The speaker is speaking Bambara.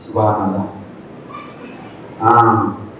H